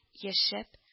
Яшәп